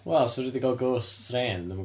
Wel, os fedri di gael ghost train, dwi'm yn gwybod...